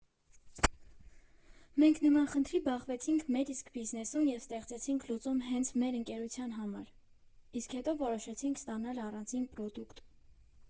«Մենք նման խնդրի բախվեցինք մեր իսկ բիզնեսում և ստեղծեցինք լուծում հենց մեր ընկերության համար, իսկ հետո որոշեցինք ստանալ առանձին պրոդուկտ»։